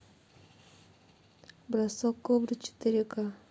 бросок кобры четыре к